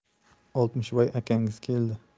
oltmishvoy akangiz keldi